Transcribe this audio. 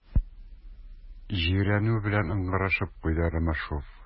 Җирәнү белән ыңгырашып куйды Ромашов.